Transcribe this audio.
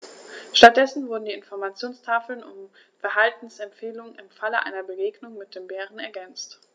Stattdessen wurden die Informationstafeln um Verhaltensempfehlungen im Falle einer Begegnung mit dem Bären ergänzt.